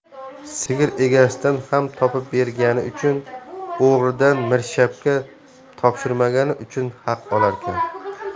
sigir egasidan ham topib bergani uchun o'g'ridan mirshabga topshirmagani uchun haq olarkan